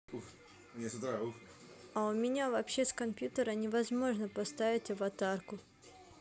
а у меня вообще с компьютера невозможно поставить аватарку